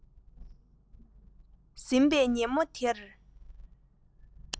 ཟིན པའི ཉིན མོ དེར